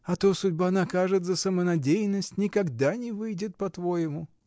А то судьба накажет за самонадеянность: никогда не выйдет по-твоему.